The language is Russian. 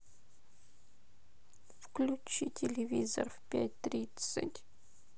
включи телевизор в пять тридцать